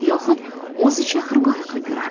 yoxud o'zicha xirgoyi qilib yurardi